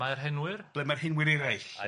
Mae'r henwyr. Ble mae'r henwyr eraill?